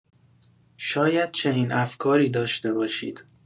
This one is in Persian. شاید چنین افکاری داشته باشید